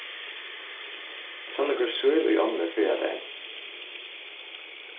eg sá nøkur síl í ánni fyrradagin